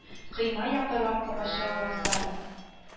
Койма яңгырлар комачауласа да